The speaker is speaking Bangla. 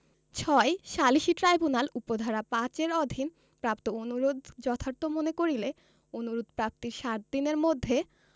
৬ সালিসী ট্রাইব্যুনাল উপ ধারা ৫ এর অধীন প্রাপ্ত অনুরোধ যথার্থ মনে করিলে অনুরোধ প্রাপ্তির ষাট দিনের মধ্যে